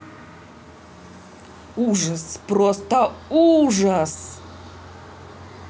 ужас просто ужас